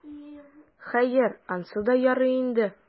Хәер, анысы да ярый инде.